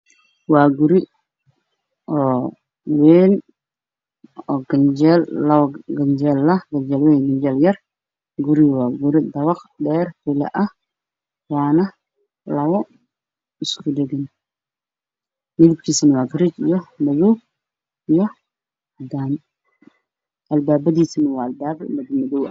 Waa guri dabaq haween ka oo midabkiisu yahay madow iyo caddaan albaab ayuu leeyahay guryo kale ayaa ku dhagan